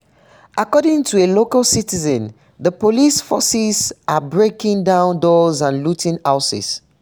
According to a local citizen, the police forces are breaking down doors and looting houses.